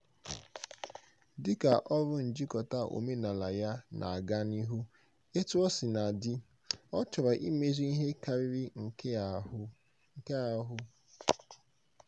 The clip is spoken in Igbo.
Dị ka ọrụ njikọta omenala ya na-aga n'ihu, etuọsinadị, ọ chọrọ imezu ihe karịrị nke ahụ.